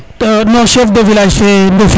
no chef de village fe Ndofeen